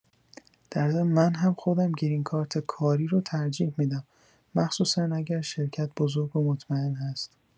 در ضمن من هم خودم گرین کارت کاری رو ترجیح می‌دم مخصوصا اگر شرکت بزرگ و مطمئن هست.